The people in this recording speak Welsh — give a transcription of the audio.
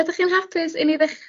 ydych chi'n hapys i ni